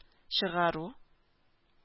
Чыгару